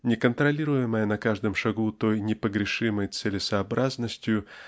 не контролируемое на каждом шагу той непогрешимой целесообразностью